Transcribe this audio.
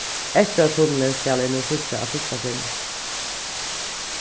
eysturoyartunnilin skal eg nú síggja á fyrsta sinni